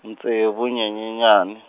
ntsevu Nyenyenyani.